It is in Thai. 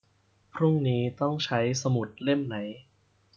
พรุ่งนี้ต้องใช้สมุดเล่มไหน